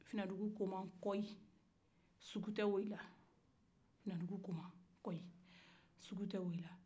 finadugukoma kɔw sugu tɛ olu la